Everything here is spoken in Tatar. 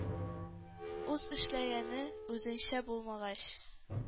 Үз эшләгәнең үзеңә булмагач,